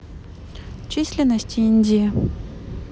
численность индии